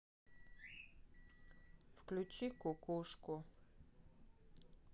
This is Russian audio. включи кукушку